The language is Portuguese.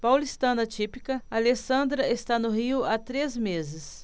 paulistana típica alessandra está no rio há três meses